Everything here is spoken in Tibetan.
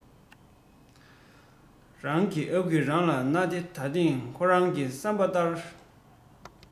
རང གི ཨ ཁུས རང ལ ན ཏེ ད ཐེངས ཁོ རང གི བསམ པ ལྟར